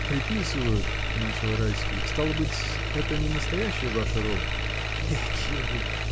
— Приписывают, — начал Райский, — стало быть, это не настоящая ваша роль? — Экие вы?